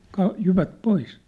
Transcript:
- jyvät pois